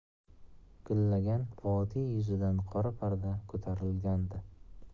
gullagan vodiy yuzidan qora parda ko'tarilgandi